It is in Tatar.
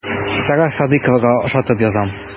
Сара Садыйковага ошатып язам.